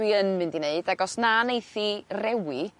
dwi yn mynd i wneud ag os na neith 'i rewi